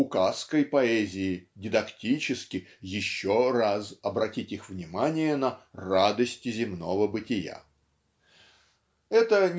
указкой поэзии дидактически "еще раз" обратить их внимание на "радости) земного бытия". Это